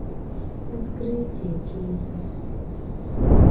открытие кейсов